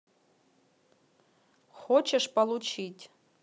хочешь получить